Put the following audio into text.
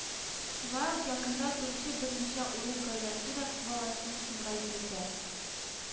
Шулай ук якында торучы берничә урыс гаиләсе дә баласын шунда йөретә